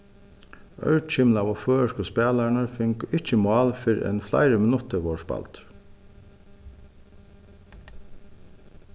ørkymlaðu føroysku spælararnir fingu ikki mál fyrr enn fleiri minuttir vóru spældir